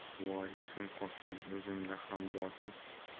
voy esim qursin o'zimda ham bor ku